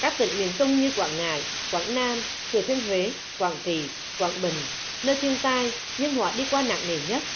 các tỉnh miền trung như quảng ngãi quảng nam thừa thiên huế quảng trị quảng bình nơi thiên tai nhưng họ đi qua nặng nề nhất